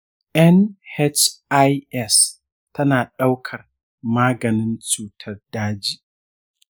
nhis tana ɗaukar maganin cutar daji?